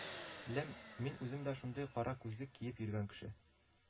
Лем, мин үзем дә шундый кара күзлек киеп йөргән кеше